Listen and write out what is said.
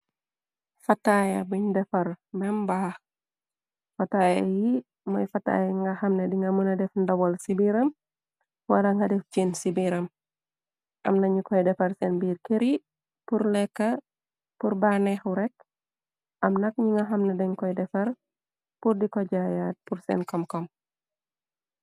Fataaya buñ defar bembaax. Fataaya yi mooy fataaya yii nga xamneh, di nga mëna def ndawal ci biiram, wala nga def jenn ci biiram. Am na ñu koy defar sen biir kër yi, leka, pur-baneeku rekk. Am nak ñi nga xamneh deny koy defar, pur di ko jaayaat, pur sen kom-kom.